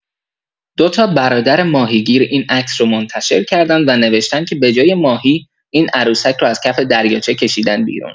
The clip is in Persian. دوتا برادر ماهیگیر این عکس رو منتشر کردن و نوشتن که بجای ماهی، این عروسک رو از کف دریاچه کشیدن بیرون